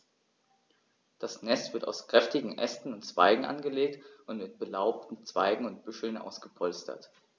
Das Nest wird aus kräftigen Ästen und Zweigen angelegt und mit belaubten Zweigen und Büscheln ausgepolstert.